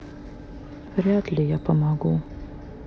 вряд ли помогу